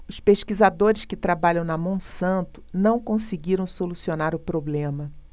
os pesquisadores que trabalham na monsanto não conseguiram solucionar o problema